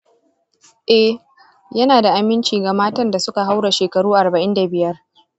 eh, yana da aminci ga matan da suka haura shekaru arba'in da biyar.